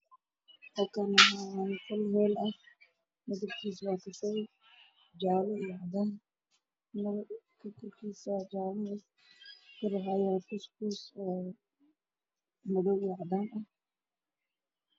Halkaan waxaa ka muuqdo qol saqafkiisu cadaan yahay waxaan ku xiran walax soo laalaado madaw iyo cadaan iskugu jiro